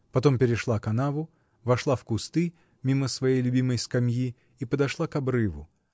Потом перешла канаву, вошла в кусты, мимо своей любимой скамьи, и подошла к обрыву.